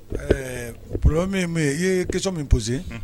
Ɛɛ o bolo min i ye kecso min p que